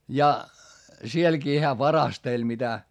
ja sielläkin hän varasteli mitä